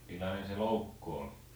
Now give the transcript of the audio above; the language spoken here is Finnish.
millainen se loukku oli